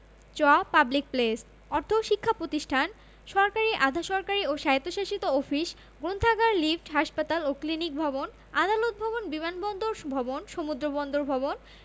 চ public place অর্থ শিক্ষা প্রতিষ্ঠান সরকারী আধা সরকারী ও স্বায়ত্তশাসিত অফিস গ্রন্থাগান লিফট হাসপাতাল ও ক্লিনিক ভবন আদালত ভবন বিমানবন্দর ভবন সমুদ্র বন্দর ভবন